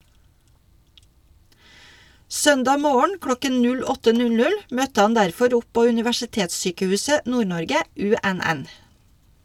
Søndag morgen klokken 08:00 møtte han derfor opp på Universitetssykehuset Nord-Norge (UNN).